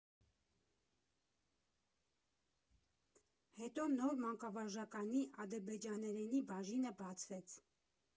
Հետո նոր մանկավարժականի ադրբեջաներենի բաժինը բացվեց։